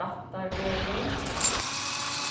rættarvegur